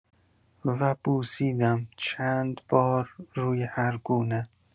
و بوسیدم، چند بار روی هرگونه.